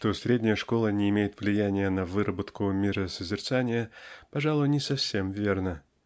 что средняя школа не имеет влияния на выработку миросозерцания пожалуй не совсем верно.